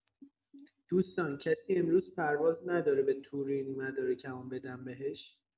دوستان کسی امروز پرواز نداره به تورین مدارکمو بدم بهش؟